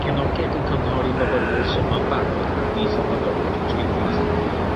cefnogi ag yn cynghori myfyrwyr sy yma'n barod ar visamyfyriwr student visa